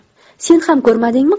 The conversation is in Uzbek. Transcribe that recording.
sen ham ko'rmadingmi